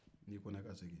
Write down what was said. n'i ko ne ka segin